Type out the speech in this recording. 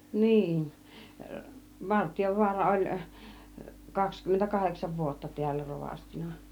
niin Vartiovaara oli kaksikymmentä kahdeksan vuotta täällä rovastina